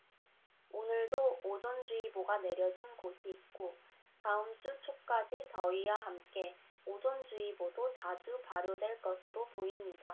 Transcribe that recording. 오늘도 오존 주의보가 내려진 곳이 있고 다음 주 초까지 더위와 함께 오존 주의보도 자주 발효될 것으로 보입니다